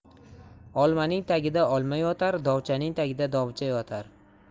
olmaning tagida olma yotar dovchaning tagida dovcha yotar